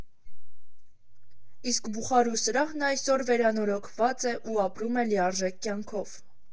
Իսկ Բուխարու սրահն այսօր վերանորոգված է ու ապրում է լիարժեք կյանքով.